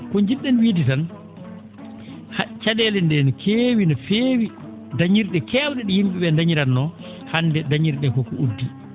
ko nji??en wiide tan ha ca?eele nde ne keewi no feewi dañir?e keew?e ?o yim?e ?ee ndañiratnoo hannde dañir?e ?ee ko ko uddi